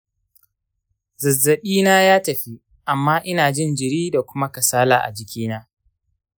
zazzaɓi na ya tafi, amma ina jin jiri da kuma kasala a jiki na.